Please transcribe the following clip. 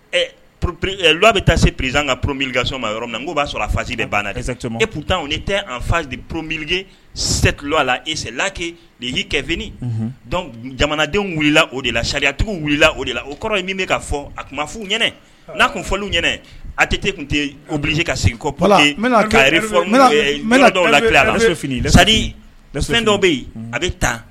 Ɛ plɔ bɛ taa se perez ka porobibilika soma yɔrɔ min n' b'a sɔrɔ a fasi de banna ptan ni tɛ an fa di porobilige sɛtulɔ a la eseki nin y'i kɛfini jamanadenw wulilala o de la sariyatigiw wulila o de la o kɔrɔ in min bɛ' fɔ a tun f u n'a tun fɔw ɲɛna a tɛ tɛ tun tɛbili ka sigikɔp ye ka la fini lasadi dɔw bɛ yen a bɛ taa